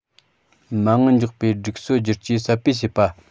མ དངུལ འཇོག པའི སྒྲིག སྲོལ བསྒྱུར བཅོས ཟབ སྤེལ བྱེད པ